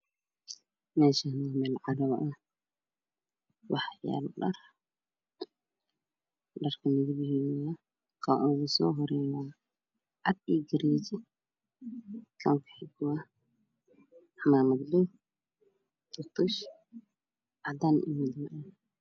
Meshaan waa meel carwo ah waxaa kahelsaa dharka waxey leyhiin midaoa kala duwan kan usoo horeeto madow iyo girijo Kan ku xiga waa cimad puluug cadaan iyo madow